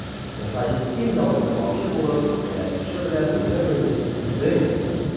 Минһаҗетдин, ялындырмакчы булып, кәләпүше белән уйный-уйный:— Үзең бел!